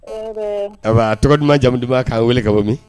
Ɛɛ bɛɛ a baa tɔgɔ duman jamu duman k'an wele ka bɔ min